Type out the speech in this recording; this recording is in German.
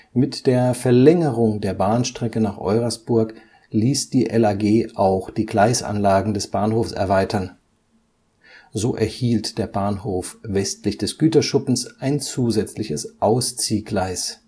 Mit der Verlängerung der Bahnstrecke nach Eurasburg ließ die LAG auch die Gleisanlagen des Bahnhofs erweitern. So erhielt der Bahnhof westlich des Güterschuppens ein zusätzliches Ausziehgleis